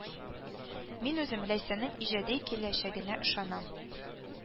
Мин үзем Ләйсәннең иҗади киләчәгенә ышанам